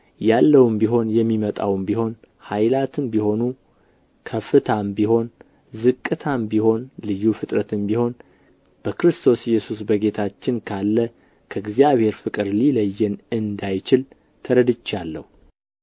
ያለውም ቢሆን የሚመጣውም ቢሆን ኃይላትም ቢሆኑ ከፍታም ቢሆን ዝቅታም ቢሆን ልዩ ፍጥረትም ቢሆን በክርስቶስ ኢየሱስ በጌታችን ካለ ከእግዚአብሔር ፍቅር ሊለየን እንዳይችል ተረድቼአለሁ